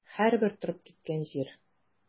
Һәрбер торып киткән җир.